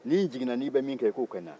ni n jiginna n'i bɛ min kɛ i k'o kɛ n na